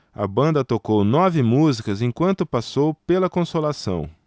a banda tocou nove músicas enquanto passou pela consolação